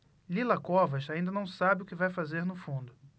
lila covas ainda não sabe o que vai fazer no fundo